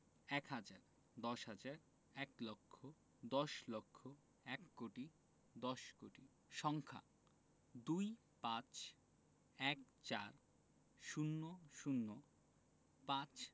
১০০০ এক হাজার ১০০০০ দশ হাজার ১০০০০০ এক লক্ষ ১০০০০০০ দশ লক্ষ ১০০০০০০০ এক কোটি ১০০০০০০০০ দশ কোটি সংখ্যা ২৫১৪০০৫